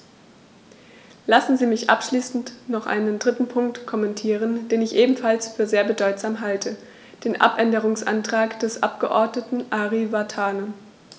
Lassen Sie mich abschließend noch einen dritten Punkt kommentieren, den ich ebenfalls für sehr bedeutsam halte: den Abänderungsantrag des Abgeordneten Ari Vatanen.